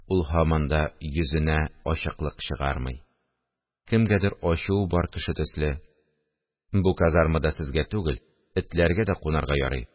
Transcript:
Ул һаман да йөзенә ачыклык чыгармый, кемгәдер ачуы бар кеше төсле: – Бу казармада сезгә түгел, этләргә дә кунарга ярый